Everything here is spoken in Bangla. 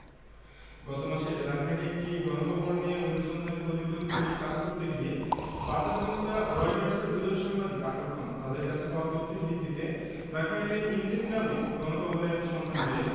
গত মাসে রাখাইনে একটি গণকবর নিয়ে অনুসন্ধানী প্রতিবেদন তৈরির কাজ করতে গিয়ে বার্তা সংস্থা রয়টার্সের দুজন সাংবাদিক আটক হন তাঁদের কাছে পাওয়া তথ্যের ভিত্তিতে রাখাইনের ইন দিন গ্রামে গণকবরের সন্ধান মেলে